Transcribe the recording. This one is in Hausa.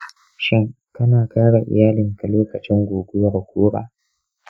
shin kana kare iyalinka lokacin guguwar ƙura?